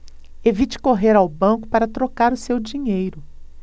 evite correr ao banco para trocar o seu dinheiro